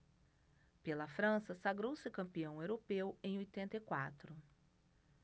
pela frança sagrou-se campeão europeu em oitenta e quatro